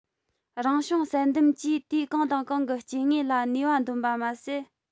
རང བྱུང བསལ འདེམས ཀྱིས དུས གང དང གང གི སྐྱེ དངོས ལ ནུས པ འདོན པ མ ཟད